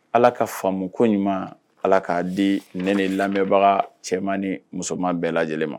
Ala ka faamu ko ɲuman ala k'a di n ni lamɛnbaga cɛman ni musoman bɛɛ lajɛlen ma